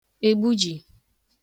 ègbujì